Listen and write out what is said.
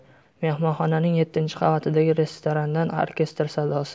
mehmonxonaning yettinchi qavatidagi restorandan orkestr sadosi